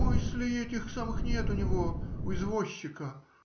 - Мыслей этих самых нет у него, у извозчика.